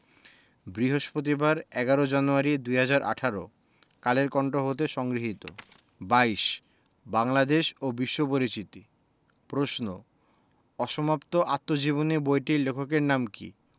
বৃহস্পতিবার ১১ জানুয়ারি ২০১৮ কালের কন্ঠ হতে সংগৃহীত ২২ বাংলাদেশ ও বিশ্ব পরিচিতি প্রশ্ন অসমাপ্ত আত্মজীবনী বইটির লেখকের নাম কী